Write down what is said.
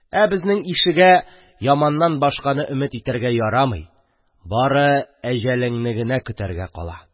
Ә безнең ишегә яманнан башканы өмет итәргә дә ярамый, бары әҗәлеңне генә көтәргә кала.